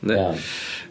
Yndi... Iawn.